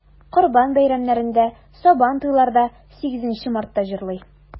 Корбан бәйрәмнәрендә, Сабантуйларда, 8 Мартта җырлый.